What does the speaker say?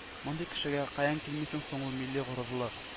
Мондый кешегә каян килми соң ул милли горурлык